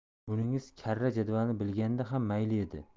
buningiz karra jadvalini bilganda ham mayli edi